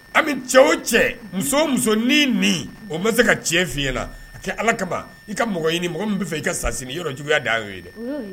An bɛ cɛ o cɛ muso muso o bɛ se ka cɛ f na kɛ ala kama i ka mɔgɔ ɲini mɔgɔ min bɛ fɛ i ka sa sigi i yɔrɔ juguyaya da ye dɛ